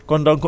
waaw